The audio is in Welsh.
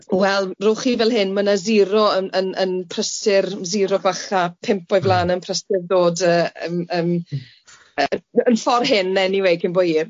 Wel rhowch chi fel hyn, ma' 'na zero yn yn yn prysur, zero bach a pump o'i flan e'n prysur ddod yy yym yym yy yn ffordd hyn eniwe cyn bo' hir.